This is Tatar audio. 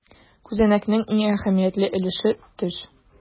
Күзәнәкнең иң әһәмиятле өлеше - төш.